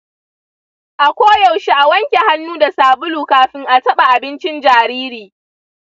a koyaushe a wanke hannu da sabulu kafin a taɓa abincin jariri.